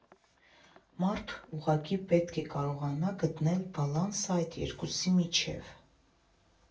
Մարդ ուղղակի պետք է կարողանա գտնել բալանսը այդ երկուսի միջև։